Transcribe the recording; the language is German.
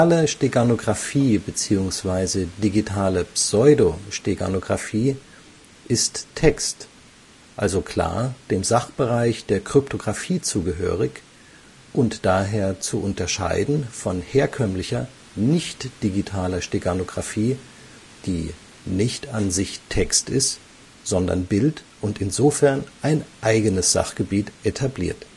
Es ist zu unterscheiden zwischen digitaler (Pseudo -) Steganographie, sie ist Text (Code), also klar dem Sachbereich der Kryptographie zugehörig und herkömmlicher, non-digitaler Steganografie, die hingegen nicht an sich Text ist, sondern Bild und insofern ein eigenes Sachgebiet etabliert